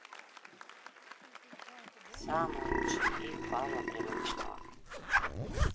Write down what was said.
самый лучший фильм павла прилучного